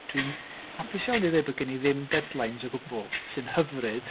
Dwi'n hapus iawn i ddeud bod gen i ddim deadlines o gwbl, sy'n hyfryd.